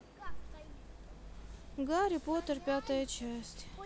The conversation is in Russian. гарри поттер пятая часть